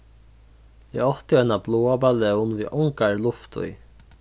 eg átti eina bláa ballón við ongari luft í